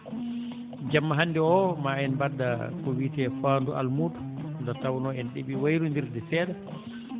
jamma hannde oo maa en mbaɗ ko wiyetee faandu almuudo nde tawnoo en ɗeɓii wayronndirde seeɗa